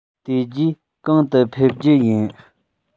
དེ རྗེས གང དུ ཕེབས རྒྱུ ཡིན